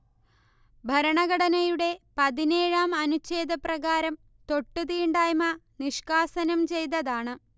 ഭരണഘടനയുടെ പതിനേഴാം അനുഛേദപ്രകാരം തൊട്ടുതീണ്ടായ്മ നിഷ്കാസനം ചെയ്തതാണ്